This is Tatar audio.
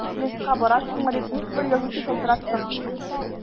Съездга барасыңмы дип ник бер язучы шалтыратсын!